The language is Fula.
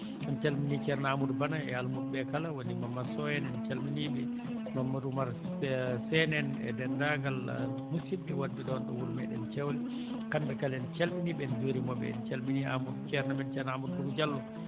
en calminii ceerno Amadou Bana e almuɓe kala woni Mamadou Sow en en calminii ɓe Mamadou Oumar Séne en e denndaangal musidɓe wonɓe ɗoo ɗo wuro mezɗen Cezwle kamɓe kala en calminii ɓe en njuriima ɓe en calminii Amadou ceerno men ceerno Amadou Diallo